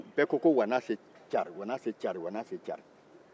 dɔnki bɛɛ ko ko wanase cari wanase cari